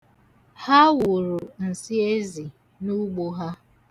Ha wụrụ nsi ezi n'ugbo ha.